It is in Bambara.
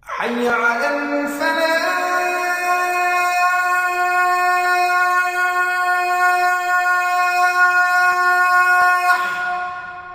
Maa y'a laban